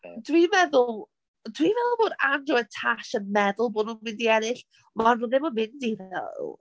Dwi'n meddwl... Dwi'n meddwl bod Andrew a Tash yn meddwl bod nhw'n mynd i ennill. Maen nhw ddim yn mynd i though.